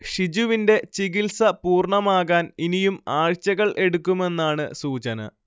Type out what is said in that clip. ഷിജുവിന്റെ ചികിൽസ പൂർണ്ണമാകാൻ ഇനിയും ആഴ്ചകൾ എടുക്കുമെന്നാണ് സൂചന